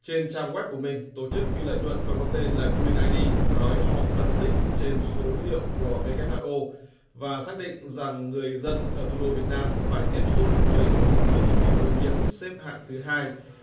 trên trang goét của mình tổ chức phi lợi nhuận còn có tên là guyn ai đi nói họ phân tích trên số liệu của vê kép hắt ô và xác định rằng người dân ở thủ đô việt nam phải tiếp xúc với không khí bị ô nhiễm xếp hạng thứ hai